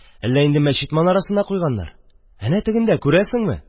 Әллә инде мәчет манарасына куйганнар? Әнә тегендә, күрәсеңме?